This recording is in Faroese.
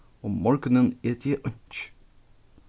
um morgunin eti eg einki